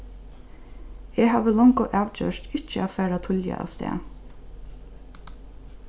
eg havi longu avgjørt ikki at fara tíðliga avstað